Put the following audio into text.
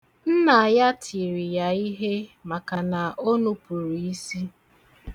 Nna ya tiri ya ihe maka na o nupuru isi.